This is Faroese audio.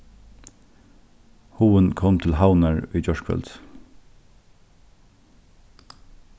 hugin kom til havnar í gjárkvøldið